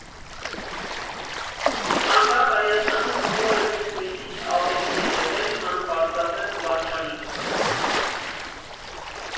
Անկախ Հայաստանում հումորը միշտ մի քիչ ավելին է եղել, քան պարզապես զվարճալիք։